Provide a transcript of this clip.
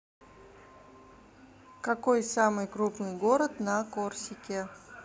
какой самый крупный город на корсике